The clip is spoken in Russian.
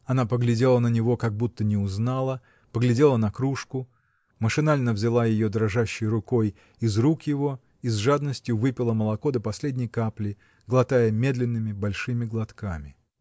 Она поглядела на него, как будто не узнала, поглядела на кружку, машинально взяла ее дрожащей рукой из рук его и с жадностью выпила молоко до последней капли, глотая медленными, большими глотками.